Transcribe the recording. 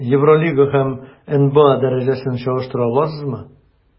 Евролига һәм НБА дәрәҗәсен чагыштыра аласызмы?